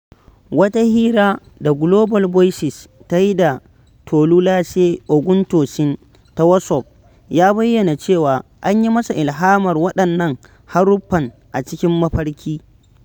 A wata hira da Global Voices ta yi da Tolúlàṣẹ Ògúntósìn ta Wasof ya bayyana cewa an yi masa ilhamar waɗannan haruffan a cikin mafarki.